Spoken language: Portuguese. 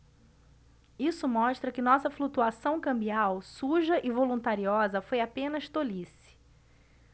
isso mostra que nossa flutuação cambial suja e voluntariosa foi apenas tolice